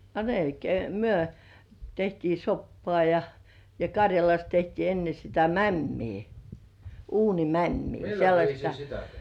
a melkein me tehtiin soppaa ja ja Karjalassa tehtiin ennen sitä mämmiä uunimämmiä sellaista